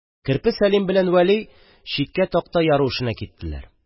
Керпе Сәлим белән Вәли читкә такта яру эшенә киттеләр.